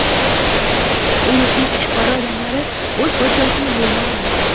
u yurtning ichiqora odamlari o'z podshosini yo'ldan uribdi